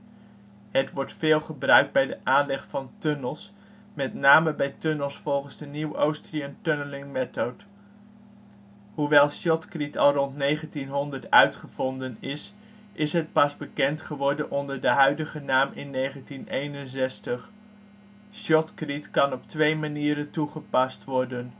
veel gebruikt bij de aanleg van tunnels, met name bij tunnels volgens de New Austrian Tunnelling Method. Bestand:Shotcrete.jpg De toepassing van shotcrete voor de stabilisatie van een tunnel. Hoewel shotcrete al rond 1900 uitgevonden is, is het pas bekend geworden onder de huidige naam in 1961. Shotcrete kan op twee manieren toepast worden